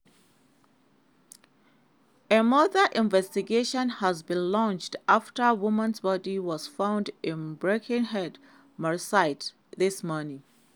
A murder investigation has been launched after woman's body was found in Birkenhead, Merseyside this morning.